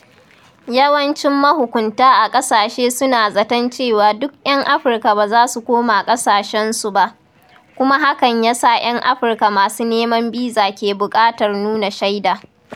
Yawancin mahukunta a ƙasashe su na zaton cewa duk 'yan afirka ba za su koma ƙasashensu ba, kuma hakan ya sa 'yan Afirka masu neman biza ke buƙatar nuna shaida.